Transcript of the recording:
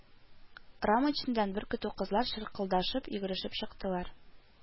Рамочныйдан бер көтү кызлар чыркылдашып, йөгерешеп чыктылар